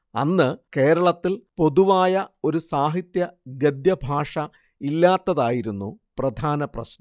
അന്ന് കേരളത്തിൽ പൊതുവായ ഒരു സാഹിത്യ ഗദ്യഭാഷ ഇല്ലാത്തതായിരുന്നു പ്രധാന പ്രശ്നം